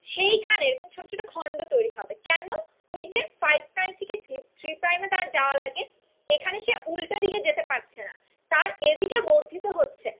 সেইখানে ছোট ছোট খন্ড তৈরি হবে কেন ওইযে ফাইভ প্রাইম থেকে থ্রি প্রাইমে তার যাওয়া লাগীখানে সে উলটা দিকে যেতে পারছে না তার এদিকে বর্ধিত হচ্ছে